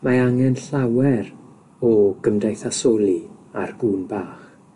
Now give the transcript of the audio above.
Mae angen llawer o gymdeithasoli a'r gŵn bach.